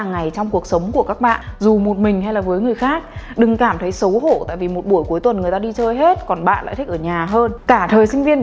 trong cuộc sống của các bạn dù một mình hay là với người khác đừng cảm thấy xấu hổ tại vì một buổi cuối tuần người ta đi chơi hết còn bạn lại thích ở nhà hơn cả thời sinh viên của mình